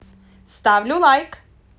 ставлю лайк